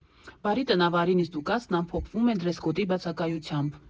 Բարի տնավարի նիստուկացն ամփոփվում է դրեսկոդի բացակայությամբ.